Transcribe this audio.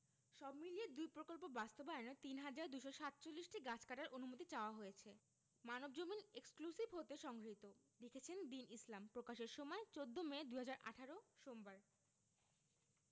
সব মিলিয়ে দুই প্রকল্প বাস্তবায়নে ৩হাজার ২৪৭টি গাছ কাটার অনুমতি চাওয়া হয়েছে মানবজমিন এক্সক্লুসিভ হতে সংগৃহীত লিখেছেনঃ দীন ইসলাম প্রকাশের সময় ১৪ মে ২০১৮ সোমবার